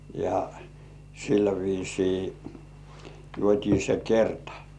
ja sillä viisiin juotiin se kerta